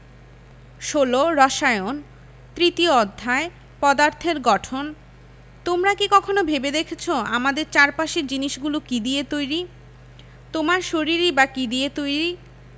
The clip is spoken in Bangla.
১৬ রসায়ন তৃতীয় অধ্যায় পদার্থের গঠন তোমরা কি কখনো ভেবে দেখেছ আমাদের চারপাশের জিনিসগুলো কী দিয়ে তৈরি তোমার শরীরই বা কী দিয়ে তৈরি